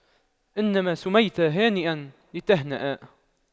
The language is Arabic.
إنما سُمِّيتَ هانئاً لتهنأ